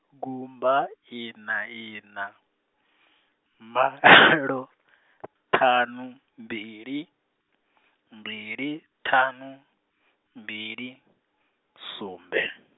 gumba, ina ina, malo, ṱhanu, mbili, mbili, ṱhanu, mbili, sumbe.